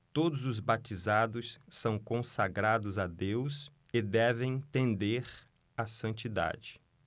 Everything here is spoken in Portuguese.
todos os batizados são consagrados a deus e devem tender à santidade